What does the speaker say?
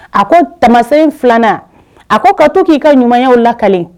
A ko tamasen filanan a ko ka to k'i ka ɲumanw lakale